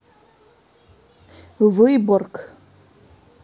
выборг